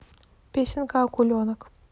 песенка акуленок